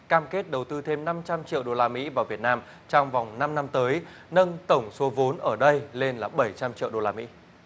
cam kết đầu tư thêm năm trăm triệu đô la mỹ vào việt nam trong vòng năm năm tới nâng tổng số vốn ở đây lên là bảy trăm triệu đô la mỹ